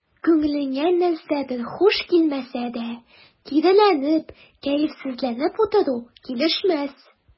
Күңелеңә нәрсәдер хуш килмәсә дә, киреләнеп, кәефсезләнеп утыру килешмәс.